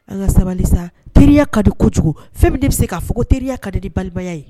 An ka sabali sa teriya kadi kojugu fɛn min ne bɛ se kaa fɔ ko teriya kadi ni balimaya ye